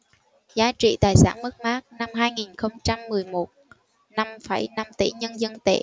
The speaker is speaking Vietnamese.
giá trị tài sản mất mát năm hai nghìn không trăm mười một năm phẩy năm tỷ nhân dân tệ